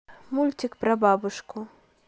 мультик про бабушку